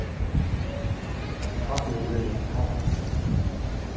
pápi hevur verið eftir havhesti